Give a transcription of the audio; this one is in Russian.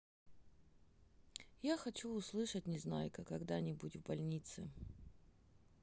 я хочу услышать незнайка ты когда нибудь в больнице